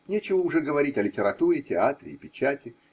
Нечего уже говорить о литературе, театре и печати